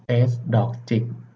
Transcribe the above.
เอซดอกจิก